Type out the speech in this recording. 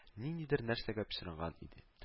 Ниндидер нәрсәгә пычранган иде